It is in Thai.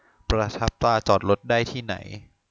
ประทับตราจอดรถได้ที่ไหน